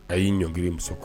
A yi ɲɔngirin muso kɔrɔ